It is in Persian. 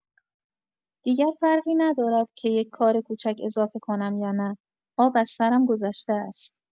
دیگر فرقی ندارد که یک کار کوچک اضافه کنم یا نه، آب از سرم گذشته است.